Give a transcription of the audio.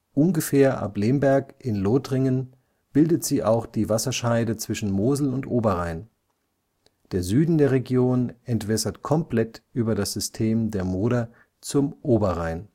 Ungefähr ab Lemberg in Lothringen bildet sie auch die Wasserscheide zwischen Mosel und Oberrhein; der Süden der Region entwässert komplett über das System der Moder zum Oberrhein